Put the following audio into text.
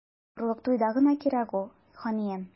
Матурлык туйда гына кирәк ул, ханиям.